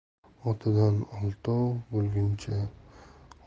otadan oltov bo'lguncha